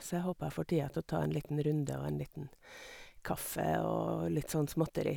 Så jeg håper jeg får tida til å ta en liten runde og en liten kaffe og litt sånn småtteri.